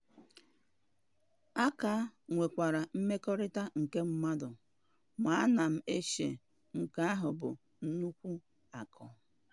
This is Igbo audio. A ka nwekwara mmekọrita nke mmadụ, ma ana m eche nke ahụ bụ nnukwu akụ.